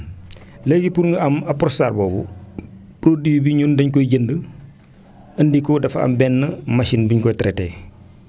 léegi pour ñu am Apronstar boobu produit bi ñun dañu koy jënd indi ko dafa am benn machine bi ñu koy traité